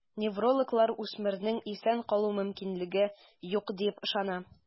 Неврологлар үсмернең исән калу мөмкинлеге юк диеп ышана.